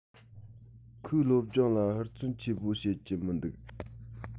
ཁོས སློབ སྦྱོང ལ ཧུར བརྩོན ཆེན པོ བྱེད ཀྱི མི འདུག